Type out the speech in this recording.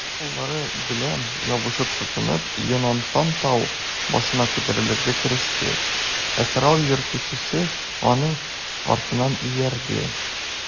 Аяк-куллары белән ябышып-тотынып, Йонатан тау башына күтәрелергә кереште, ә корал йөртүчесе аның артыннан иярде.